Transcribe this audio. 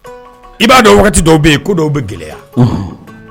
I b'a dɔn dɔw bɛ yen ko dɔw bɛ gɛlɛya